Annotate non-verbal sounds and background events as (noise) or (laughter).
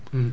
(hesitation) (hesitation)